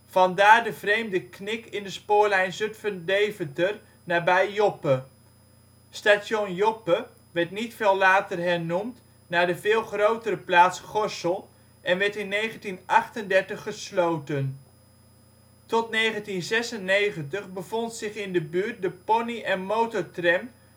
Vandaar de vreemde knik in de spoorlijn Zutphen - Deventer nabij Joppe. Station Joppe werd niet veel later hernoemd naar de veel grotere plaats Gorssel en werd in 1938 gesloten. Tot 1996 bevond zich in de buurt de Pony - en Motortram